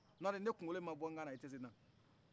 n'o tɛ ni ne kungolo yin ma bɔ nkan na i tisse n'na